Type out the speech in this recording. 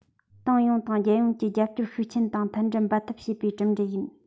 ཏང ཡོངས དང རྒྱལ ཡོངས ཀྱིས རྒྱབ སྐྱོར ཤུགས ཆེན དང མཐུན སྒྲིལ འབད འཐབ བྱས པའི གྲུབ འབྲས ཡིན